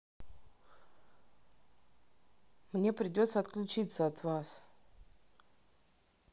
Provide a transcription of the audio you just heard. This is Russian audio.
мне придется отключиться от вас